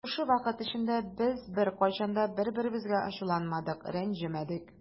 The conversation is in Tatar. Шушы вакыт эчендә без беркайчан да бер-беребезгә ачуланмадык, рәнҗемәдек.